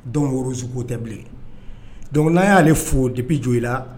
Donc rouge ko tɛ bilen donc n'an y'ale fo depuis Doila